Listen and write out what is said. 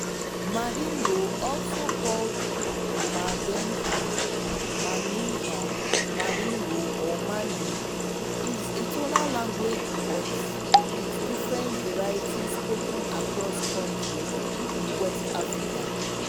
Mandingo (also called Mandenkan, Maninka, Mandingo, or Manding) is a tonal language but with different varieties spoken across countries in Western Africa.